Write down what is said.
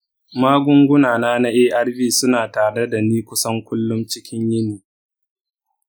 magungunana na arv suna tare da ni kusan kullum cikin yini.